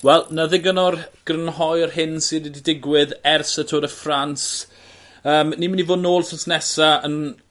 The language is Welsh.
Wel 'na ddigon o'r grynhoi'r hyn sy 'di di- digwydd ers y Tour de France. Yym ni myn' i fod nôl wthnos nesa yn